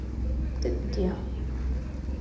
ты где